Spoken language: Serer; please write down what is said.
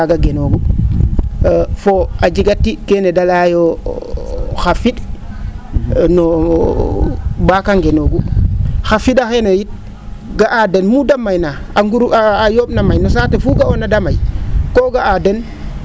taaga genoogu fo a jega tii? keene de layaayo xa fi? no o ?aak a ngenoogu xa fi? a xeene yit ga'aa den muu da mayna a nguru, a yo? na may no saate fuu ga'oona de may koo ga'aa den